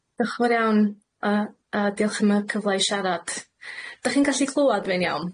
Diolch yn fawr iawn, a a diolch am y cyfle i siarad. Dach chi'n gallu clwad fi'n iawn?